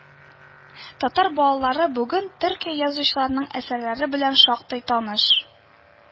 Татар балалары бүген Төркия язучыларының әсәрләре белән шактый таныш